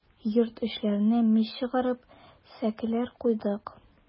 Йорт эчләренә мич чыгарып, сәкеләр куйдык.